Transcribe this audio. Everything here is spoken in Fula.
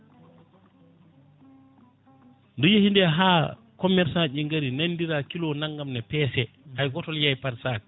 nde yeeyi nde ha commerçant ɗi gaari nanidira kilo naggam ne peese hay goto oto yeey par sac